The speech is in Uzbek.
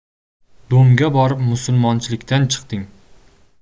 do'mga borib musulmonchilikdan chiqding